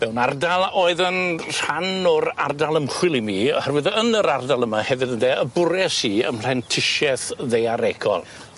Fewn ardal oedd yn rhan o'r ardal ymchwil i mi oherwydd yn yr ardal yma hefyd ynde y bwries i 'ym mhrentisieth ddaearegol.